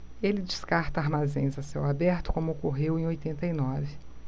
ele descarta armazéns a céu aberto como ocorreu em oitenta e nove